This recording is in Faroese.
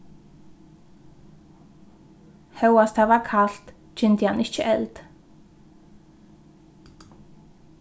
hóast tað var kalt kyndi hann ikki eld